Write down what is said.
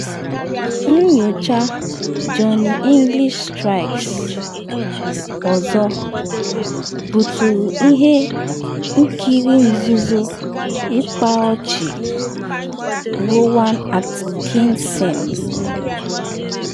Nyocha Johnny English Strikes Again - buturu ihe nkiri nzuzo ịkpa ọchị Rowan Atkinson